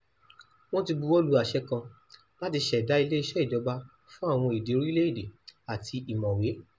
"Wọ́n ti buwọ lu àṣẹ kan láti ṣẹ̀dá Ilé-iṣẹ́ Ìjọba fún àwọn Èdè Orílẹ̀-èdè àti Ìmọ̀wé."